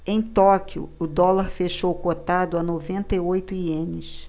em tóquio o dólar fechou cotado a noventa e oito ienes